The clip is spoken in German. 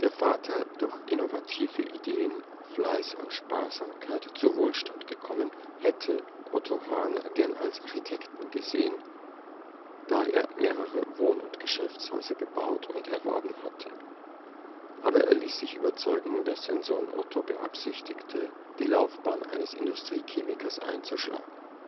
Vater, durch innovative Ideen, Fleiß und Sparsamkeit zu Wohlstand gekommen, hätte Otto Hahn gern als Architekten gesehen, da er mehrere Wohn - und Geschäftshäuser gebaut oder erworben hatte. Aber er ließ sich überzeugen, dass sein Sohn Otto beabsichtigte, die Laufbahn eines Industriechemikers einzuschlagen